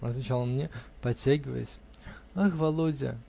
-- отвечал он мне, потягиваясь. -- Ах, Володя!